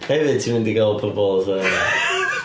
Hefyd ti'n mynd i gael pobl fatha...